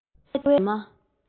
ཁ བའི འདབ མ